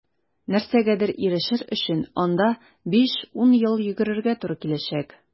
Нәрсәгәдер ирешер өчен анда 5-10 ел йөгерергә туры киләчәк.